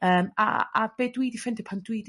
Yrm a a be dwi 'di ffindio pan dwi